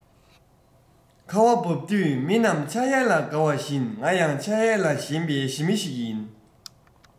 ཁ བ འབབ དུས མི རྣམས འཆར ཡན ལ དགའ བ བཞིན ང ཡང འཆར ཡན ལ ཞེན པའི ཞི མི ཞིག ཡིན